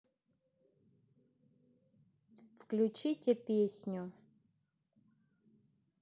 включите песню